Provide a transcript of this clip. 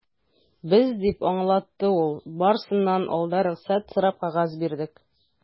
Без, - дип аңлатты ул, - барысыннан алда рөхсәт сорап кәгазь бирдек.